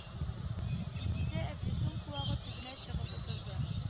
Илгизә әфлисун куагы төбенә чыгып утырды